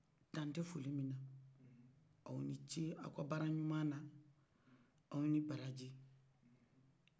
dan te foli mina aw ni ce aw ka bara ɲumana aw ni barji